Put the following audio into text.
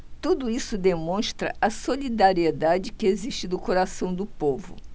tudo isso demonstra a solidariedade que existe no coração do povo